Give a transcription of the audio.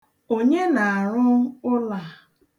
Onye na-arụ ụlọ a?